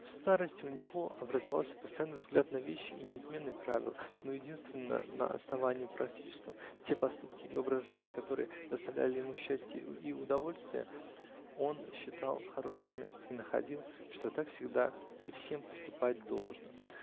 В старости у него образовался постоянный взгляд на вещи и неизменные правила, -- но единственно на основании практическом: те поступки и образ жизни, которые доставляли ему счастие или удовольствия, он считал хорошими и находил, что так всегда и всем поступать должно.